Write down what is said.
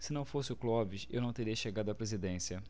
se não fosse o clóvis eu não teria chegado à presidência